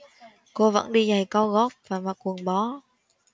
cô vẫn đi giày cao gót và mặc quần bó